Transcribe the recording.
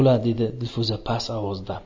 dedi dilfuza past ovozda